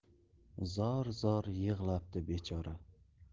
zor zor yig'labdi bechora